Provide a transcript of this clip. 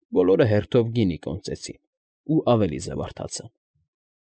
Բոլորը հերթով գինի կոնծեցին ու ավելի զվարթացան։